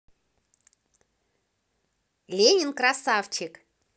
ленин красавчик